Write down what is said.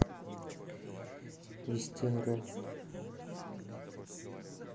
вести орел